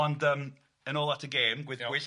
Ond yym yn ôl at y gêm gwyddbwyll